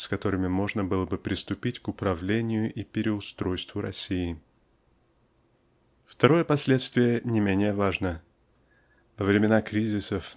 с которыми можно было бы приступить к управлению и переустройству России. Второе последствие не менее важно. Во времена кризисов